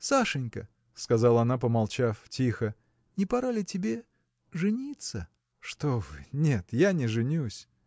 Сашенька, – сказала она, помолчав, тихо, – не пора ли тебе. жениться? – Что вы! нет, я не женюсь.